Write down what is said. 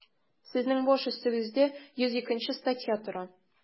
Сезнең баш өстегездә 102 нче статья тора.